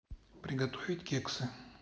приготовить кексы